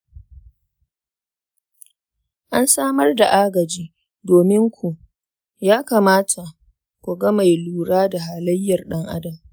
an samar da agaji domin ku/ya kamata ku ga mai lura da halayyar ɗan-adam